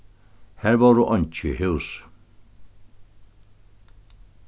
har vóru eingi hús